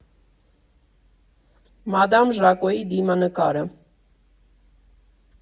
Մադամ Ժակոյի դիմանկարը։